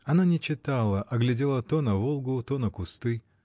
Она не читала, а глядела то на Волгу, то на кусты.